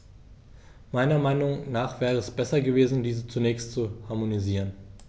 Meiner Meinung nach wäre es besser gewesen, diese zunächst zu harmonisieren.